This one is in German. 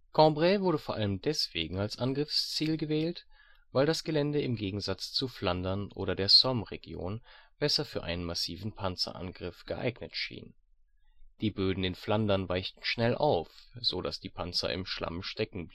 Cambrai wurde vor allem deswegen als Angriffsziel gewählt, weil das Gelände im Gegensatz zu Flandern oder der Somme-Region besser für einen massiven Panzerangriff geeignet schien. Die Böden in Flandern weichten schnell auf, so dass die Panzer im Schlamm stecken